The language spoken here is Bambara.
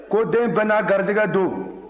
ko den bɛɛ n'a garijɛgɛ don